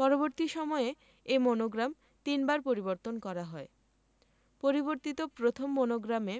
পরবর্তী সময়ে এ মনোগ্রাম তিনবার পরিবর্তন করা হয় পরিবর্তিত প্রথম মনোগ্রামে